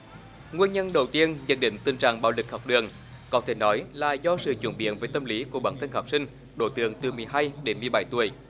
nguyên nhân đầu tiên dẫn đến tình trạng bạo lực học đường có thể nói là do sự chuyển biến về tâm lý của bản thân học sinh độ tuổi từ mười hai đến mười bảy tuổi